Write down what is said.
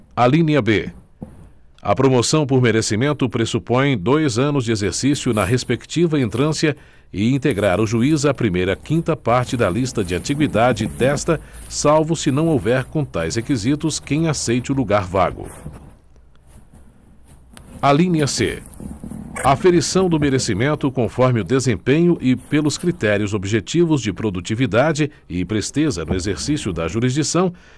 alínea b a promoção por merecimento pressupõe dois anos de exercício na respectiva entrância e integrar o juiz a primeira quinta parte da lista de antiguidade desta salvo se não houver com tais requisitos quem aceite o lugar vago alínea c aferição do merecimento conforme o desempenho e pelos critérios objetivos de produtividade e presteza no exercício da jurisdição